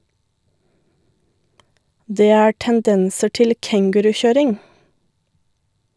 - Det er tendenser til "kengurukjøring".